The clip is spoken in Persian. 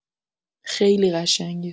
خیلی قشنگه.